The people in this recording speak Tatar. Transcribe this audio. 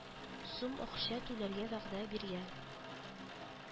Сум акча түләргә вәгъдә биргән